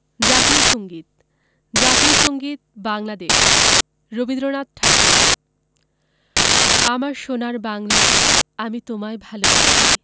জাতীয় সংগীত জাতীয় সংগীত বাংলাদেশ রবীন্দ্রনাথ ঠাকুর আমার সোনার বাংলা আমি তোমায় ভালোবাসি